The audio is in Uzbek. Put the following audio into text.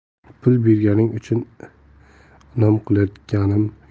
pul berganing uchun inom qilayotganim